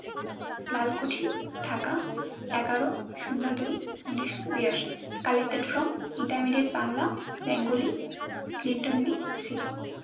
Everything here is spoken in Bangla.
লালকুঠি ঢাকা ১১/০২/১৯৮২ collected from intermediate Bangla Bengali Clinton B Seely